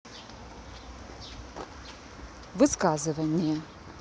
высказывание